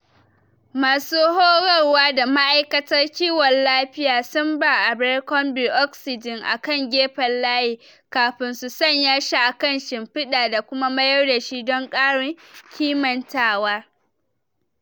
Masu horarwa da ma'aikatan kiwon lafiya sun ba Abercrombie oxygen a kan gefen layi kafin su sanya shi a kan shimfiɗa da kuma mayar da shi don ƙarin kimantawa.